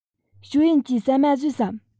ཞའོ ཡན གྱིས ཟ མ ཟོས ཡོད དམ